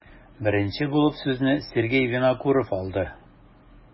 Беренче булып сүзне Сергей Винокуров алды.